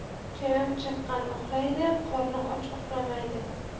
chayon chaqqan uxlaydi qorni och uxlamaydi